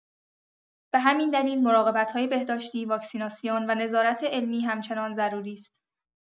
به همین دلیل مراقبت‌های بهداشتی، واکسیناسیون و نظارت علمی همچنان ضروری است.